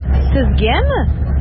Сезгәме?